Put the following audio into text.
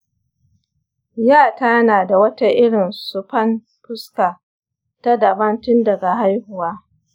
yata na da wata irin sufan fuska ta daban tun daga haihuwa.